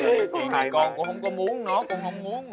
tại con cũng không có muốn nó không có muốn mà